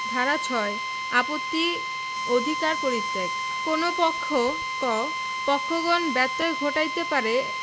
ধারা ৬ আপত্তির অধিকার পরিত্যাগ কোন পক্ষ ক পক্ষগণ ব্যত্যয় ঘটাইতে পারে